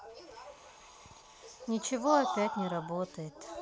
ничего опять не работает